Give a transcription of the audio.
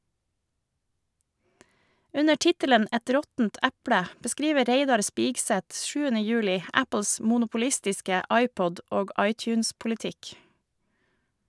Under tittelen "Et råttent eple" beskriver Reidar Spigseth 7. juli Apples monopolistiske iPod- og iTunes-politikk.